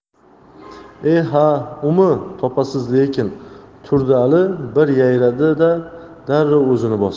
e ha umi topasiz lekin turdiali bir yayradi da darrov o'zini bosdi